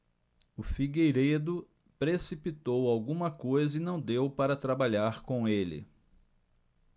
o figueiredo precipitou alguma coisa e não deu para trabalhar com ele